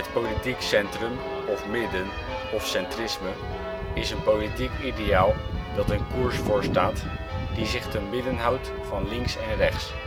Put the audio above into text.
politiek centrum (of midden) of centrisme is een politiek ideaal dat een koers voorstaat die zich te midden houdt van links en rechts